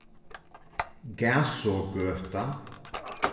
gæsugøta